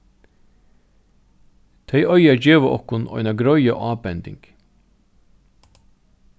tey eiga at geva okkum eina greiða ábending